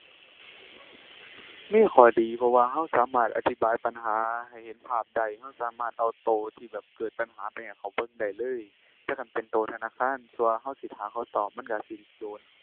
มีข้อดีเพราะว่าเราสามารถอธิบายปัญหาให้เห็นภาพได้ เราสามารถเอาเราที่แบบเกิดปัญหาไปให้เขาเบิ่งได้เลย แต่คันเป็นเราธนาคารซั่วเราสิท่าเขาตอบมันเราสิโดน